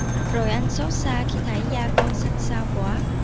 rồi anh xót xa khi thấy da con xanh xao quá